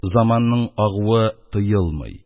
Заманның агуы тоелмый.